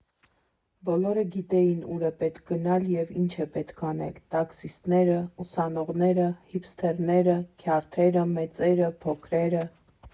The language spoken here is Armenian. Բոլորը գիտեին ուր է պետք գնալ և ինչ է պետք անել՝ տաքսիստները, ուսանողները, հիփսթերները, քյարթերը, մեծերը, փոքրերը։